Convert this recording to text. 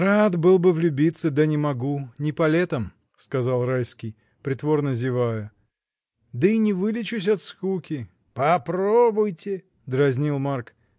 — Рад бы был влюбиться, да не могу, не по летам, — сказал Райский, притворно зевая, — да и не вылечусь от скуки. — Попробуйте, — дразнил Марк.